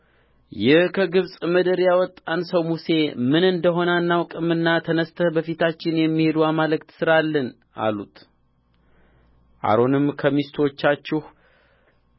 ይህ ከግብፅ ምድር ያወጣን ሰው ሙሴ ምን እንደ ሆነ አናውቅምና ተነሥተህ በፊታችን የሚሄዱ አማልክት ሥራልን አሉት አሮንም በሚስቶቻችሁ